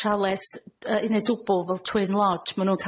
siales y- uned dwbwl fel Twin Lodge ma' nhw'n ca'l